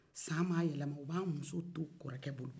san maaa yɛlɛma o b'a muso to kɔrɔkɛ bolo